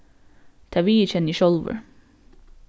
tað viðurkenni eg sjálvur